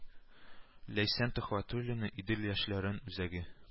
Ләйсән Төхфәтуллина, Идел яшьләр үзәге